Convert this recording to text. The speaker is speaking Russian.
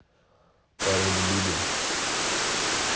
порода бигль